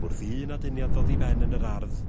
Wrth i un aduniad ddod i ben yn yr ardd...